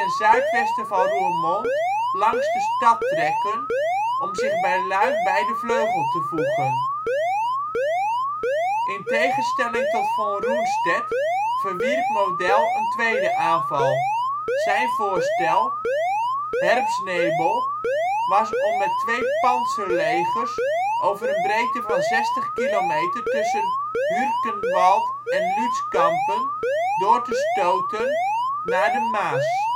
zuidwesten van Roermond langs de stad trekken om zich bij Luik bij de vleugel te voegen. In tegenstelling tot Von Rundstedt verwierp Model een tweede aanval. Zijn voorstel (' Herbstnebel ') was om met twee pantserlegers over een breedte van zestig kilometer tussen Hürtgenwald en Lützkampen door te stoten naar de Maas